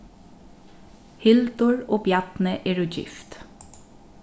hildur og bjarni eru gift